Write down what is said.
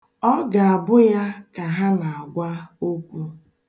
Ọ ga-abụ ya ka ha na-agwa okwu.